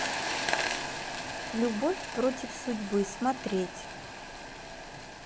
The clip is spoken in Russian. любовь против судьбы смотреть